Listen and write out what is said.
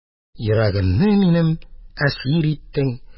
Йөрәгемне минем әсир иттең